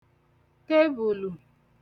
tebùlù